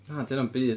Na, 'di hynna'm byd.